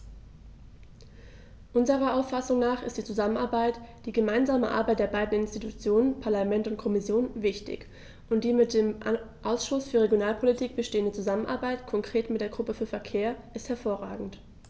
Unserer Auffassung nach ist die Zusammenarbeit, die gemeinsame Arbeit der beiden Institutionen - Parlament und Kommission - wichtig, und die mit dem Ausschuss für Regionalpolitik bestehende Zusammenarbeit, konkret mit der Gruppe für Verkehr, ist hervorragend.